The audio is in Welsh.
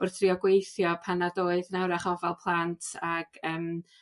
wrth drio gweithio pan nad oedd 'na 'w'rach ofal plant ag yym